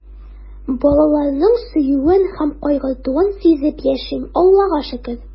Балаларның сөюен һәм кайгыртуын сизеп яшим, Аллага шөкер.